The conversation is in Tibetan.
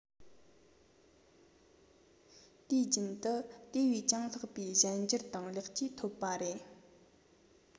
དུས རྒྱུན དུ དེ བས ཀྱང ལྷག པའི གཞན འགྱུར དང ལེགས བཅོས ཐོབ པ རེད